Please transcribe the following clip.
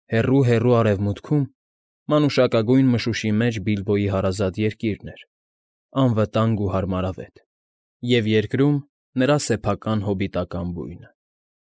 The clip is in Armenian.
Հեռո՜ւ֊հեռու Արևմուտքում, մանուշակագույն մշուշի մեջ Բիլբոյի հարազատ երկիրն էր, անվտանգ ու հարմարավետ, և երկրում՝ նրա սեփական հոբիտական բույնը։